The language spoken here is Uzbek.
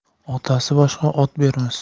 otasi boshqa ot bermas